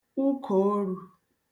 ukòorū